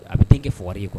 A bi den kɛ fugari ye quoi